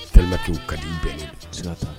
Gɛnin